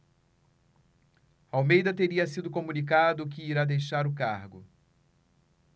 almeida teria sido comunicado que irá deixar o cargo